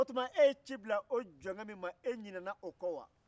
o tuma e ye ci bila o jɔnkɛ min ma e ɲinɛna o kɔ wa